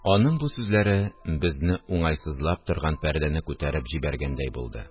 Аның бу сүзләре безне уңайсызлап торган пәрдәне күтәреп җибәргәндәй булды